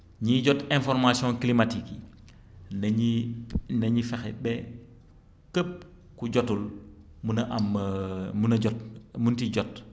ñiy jot information climatique yi na ñuy na ñuy fexe ba képp ku jotul mën a am mën a jot mën ci jot